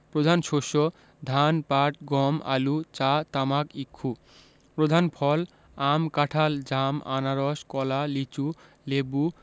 প্রধান শস্যঃ ধান পাট গম আলু চা তামাক ইক্ষু প্রধান ফলঃ আম কাঁঠাল জাম আনারস কলা লিচু লেবু